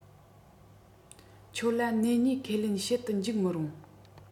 ཁྱོད ལ སྣེ གཉིས ཁས ལེན བྱེད དུ འཇུག མི རུང